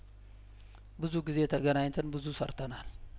ብዙ ጊዜ ተገናኝተን ብዙ ሰርተናል